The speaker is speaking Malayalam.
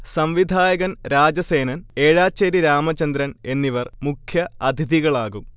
സംവിധായകൻ രാജസേനൻ, ഏഴാച്ചേരി രാമചന്ദ്രൻ എന്നിവർ മുഖ്യഅഥിതികളാകും